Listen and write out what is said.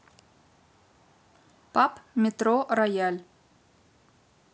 паб метро рояль